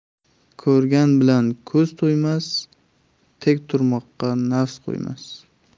ko'rgan bilan ko'z to'ymas tek turmoqqa nafs qo'ymas